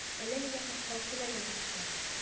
Әллә нигә кычкырып көләргә кереште